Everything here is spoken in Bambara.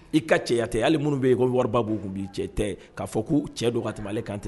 I ka cɛ tɛ hali minnu bɛ yen ko wari b'u tun b'i cɛ tɛ k'a fɔ ko cɛ don ka tɛmɛ ale kan